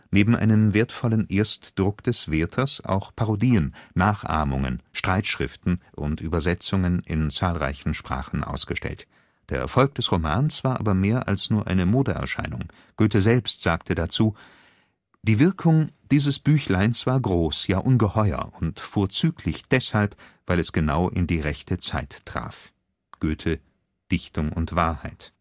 neben einem wertvollen Erstdruck des Werthers auch Parodien, Nachahmungen, Streitschriften und Übersetzungen in zahlreichen Sprachen ausgestellt. Der Erfolg des Romans war aber mehr als nur eine Modeerscheinung. Goethe selbst sagte dazu: „ Die Wirkung dieses Büchleins war groß, ja ungeheuer, und vorzüglich deshalb, weil es genau in die rechte Zeit traf. “– Goethe: Dichtung und Wahrheit